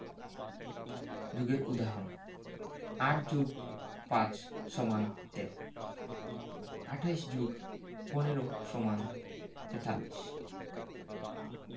যোগের উদাহরণঃ ৮ + ৫ = ১৩ ২৮ + ১৫ = ৪৩